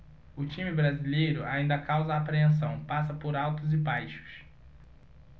o time brasileiro ainda causa apreensão passa por altos e baixos